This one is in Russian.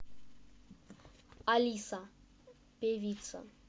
alisa певица